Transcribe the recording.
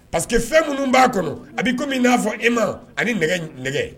Parceseke que fɛn minnu b'a kɔnɔ a'i komi min n'a fɔ e ma ani nɛgɛ